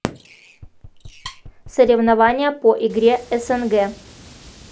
соревнования по игре снг